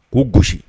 K'o gosi!